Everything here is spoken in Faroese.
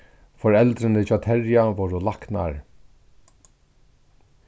foreldrini hjá terja vóru læknar